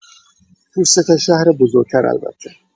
تو سه‌تا شهر بزرگ‌تر البته